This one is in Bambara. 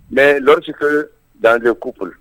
Mɛ si tɛ dan kooli